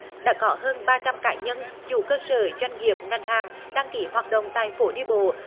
đã có hơn ba trăm cá nhân chủ cơ sở doanh nghiệp ngành hàng đăng ký hoạt động tại phố đi bộ